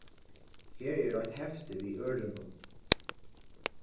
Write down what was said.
her er eitt hefti við ørindum